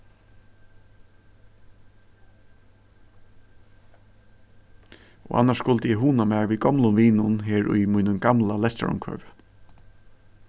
og annars skuldi eg hugna mær við gomlum vinum her í mínum gamla lestrarumhvørvi